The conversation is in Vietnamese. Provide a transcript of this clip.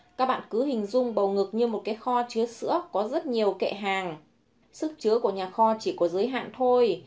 các bạn cứ hình dung bầu ngực như một cái kho chứa sữa có rất nhiều kệ hàng sức chứa của nhà kho chỉ có giới hạn thôi